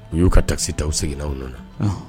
U y'u ka tasi ta u seginna u ninnu na